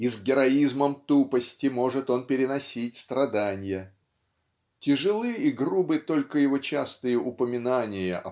-- и с героизмом тупости может он переносить страданья (тяжелы и грубы только его частые упоминания